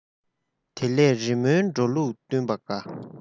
དེ ལས རི མོའི འགྲོ ལུགས བསྟུན པ དགའ